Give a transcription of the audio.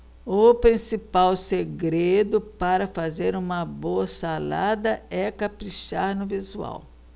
o principal segredo para fazer uma boa salada é caprichar no visual